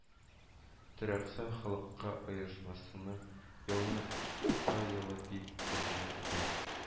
ТӨРЕКСОЙ халыкка оешмасы елны Тукай елы дип игълан итә